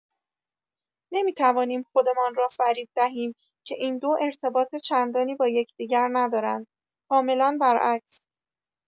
نمی‌توانیم خودمان را فریب دهیم که این دو ارتباط چندانی با یکدیگر ندارند، کاملا برعکس.